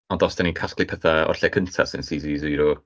Ond os dan ni'n casglu petha o'r lle cynta sy'n CC zero...